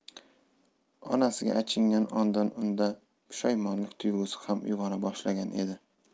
onasiga achingan ondan unda pushaymonlik tuyg'usi ham uyg'ona boshlagan edi